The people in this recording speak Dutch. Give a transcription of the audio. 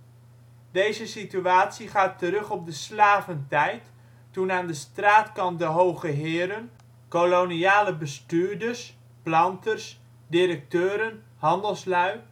Deze situatie gaat terug op de slaventijd, toen aan de straatkant de grote heren (koloniale bestuurderen, planters, directeuren, handelslui